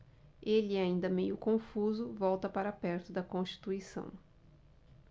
ele ainda meio confuso volta para perto de constituição